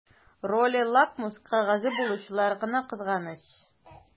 Роле лакмус кәгазе булучылар гына кызганыч.